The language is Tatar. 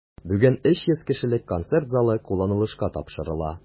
Бүген 300 кешелек концерт залы кулланылышка тапшырыла.